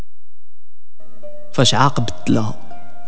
فسخ عقد